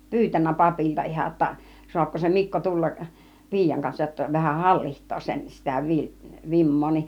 pyytänyt papilta ihan jotta saako se Mikko tulla piian kanssa jotta vähän hallitsee sen sitä - vimmaa niin